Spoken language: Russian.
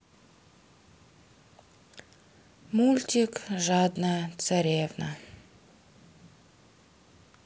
мультик жадная царевна